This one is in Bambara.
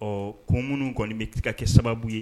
Ɔ ko minnu kɔni bɛ kɛ sababu ye